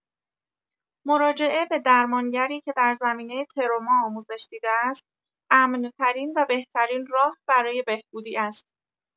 مراجعه به درمانگری که در زمینه تروما آموزش‌دیده است امن‌ترین و بهترین راه برای بهبودی است.